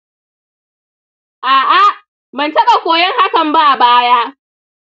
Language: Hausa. a’a, ban taɓa koyon hakan ba a baya.